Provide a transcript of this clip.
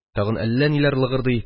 Тагын әллә ниләр лыгырдый.